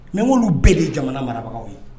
Mais n k'olu bɛɛ de ye jamana marabagaw ye